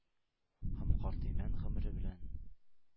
Һәм карт имән гомре белән